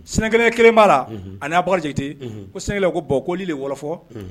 Sɛnɛ kelen kelen b'a la ani n'a bakarijanjɛte ko sɛnɛ ko bɔn koli de wɔ fɔ